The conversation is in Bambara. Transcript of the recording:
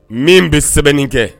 Min bɛ sɛbɛnni kɛ